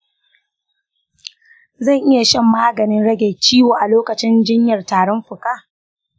zan iya shan maganin rage ciwo a lokacin jiyyar tarin fuka?